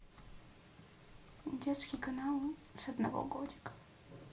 детский канал с одного годика